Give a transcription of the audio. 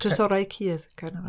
Trysorau Cudd Caernar-